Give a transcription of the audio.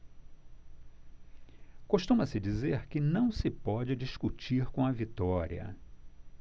costuma-se dizer que não se pode discutir com a vitória